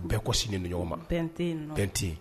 Bɛɛ ko sini ni ɲɔgɔn ma pte pte